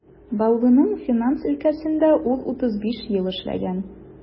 Баулының финанс өлкәсендә ул 35 ел эшләгән.